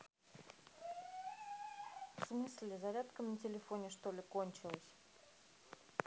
в смысле зарядка на телефоне что ли кончается